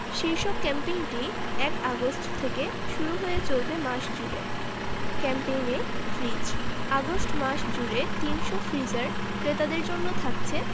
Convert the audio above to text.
শীর্ষক ক্যাম্পেইনটি ১ আগস্ট থেকে শুরু হয়ে চলবে মাস জুড়ে ক্যাম্পেইনে ফ্রিজ আগস্ট মাস জুড়ে ৩০০ ফ্রিজার ক্রেতাদের জন্য থাকছে